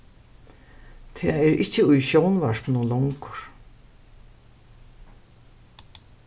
tað er ikki í sjónvarpinum longur